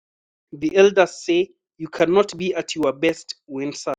The elders say, you cannot be at your best when sad.